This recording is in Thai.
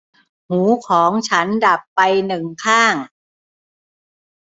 หูของฉันดับไปหนึ่งข้าง